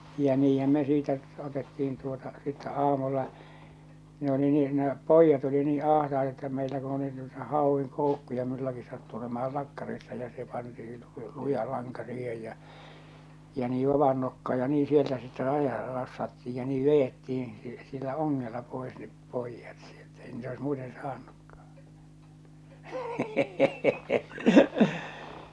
ja niinhän me siitä otettiin tuota sitten aamulla ne oli nyt ne pojat oli niin ahtaita että meillä kun oli noita hauen koukkuja minullakin sattui olemaan lakkarissa ja se pantiin - luja lanka siihen ja ja niin vavan nokkaan ja niin sieltä sitten - rassattiin ja niin vedettiin - sillä ongella pois ne pojat sieltä ei niitä olisi muuten saanutkaan